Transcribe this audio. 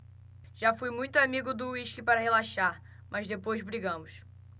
já fui muito amigo do uísque para relaxar mas depois brigamos